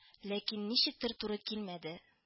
Ләкин ничектер туры килмәде